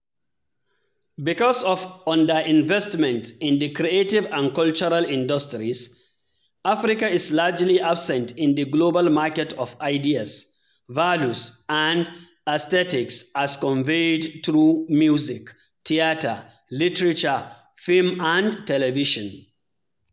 Because of underinvestment in the creative and cultural industries, Africa is largely absent in the global market of ideas, values and aesthetics as conveyed through music, theater, literature, film and television.